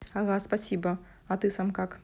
ага спасибо а ты сам как